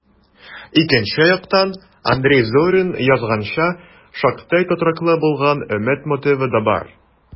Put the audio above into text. Икенче яктан, Андрей Зорин язганча, шактый тотрыклы булган өмет мотивы да бар: